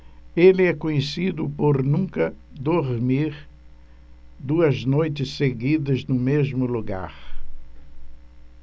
ele é conhecido por nunca dormir duas noites seguidas no mesmo lugar